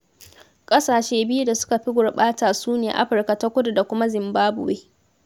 Ƙasashe biyu da suka fi gurɓata su ne Afirka ta Kudu da kuma Zimbabwe.